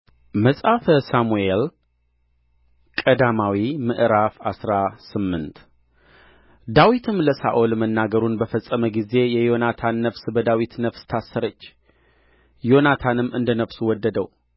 መጽሐፈ ሳሙኤል ቀዳማዊ ምዕራፍ አስራ ስምንት ዳዊትም ለሳኦል መናገሩን በፈጸመ ጊዜ የዮናታን ነፍስ በዳዊት ነፍስ ታሰረች ዮናታንም እንደ ነፍሱ ወደደው